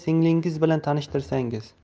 singlinggiz bilan tanishtirsangiz